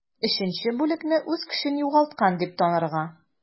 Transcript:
3 бүлекне үз көчен югалткан дип танырга.